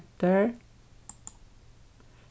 enter